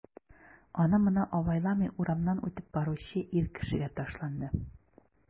Аны-моны абайламый урамнан үтеп баручы ир кешегә ташланды...